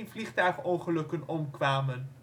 vliegtuigongelukken omkwamen